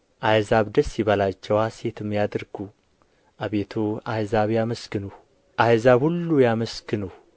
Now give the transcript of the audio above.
አሕዛብ ደስ ይበላቸው ሐሤትም ያድርጉ አቤቱ አሕዛብ ያመስግኑህ አሕዛብ ሁሉ ያመስግኑህ